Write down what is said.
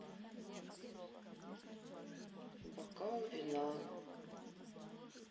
бокал вина